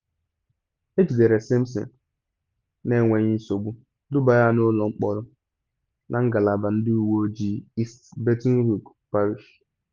Ejidere Simpson na enweghị nsogbu, dubaa ya n’ụlọ mkpọrọ na Ngalaba Ndị Uwe Ojii East Baton Rouge Parish.